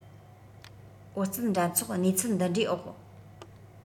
ཨོ རྩལ འགྲན ཚོགས གནས ཚུལ འདི འདྲའི འོག